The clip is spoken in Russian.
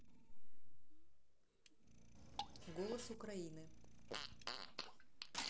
голос украины